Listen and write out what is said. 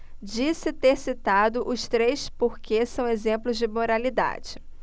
disse ter citado os três porque são exemplos de moralidade